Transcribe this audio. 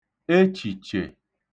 echìchè